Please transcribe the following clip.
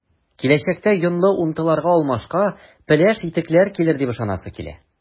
Киләчәктә “йонлы” унтыларга алмашка “пеләш” итекләр килер дип ышанасы килә.